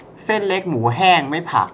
เส้นเล็กหมูแห้งไม่ผัก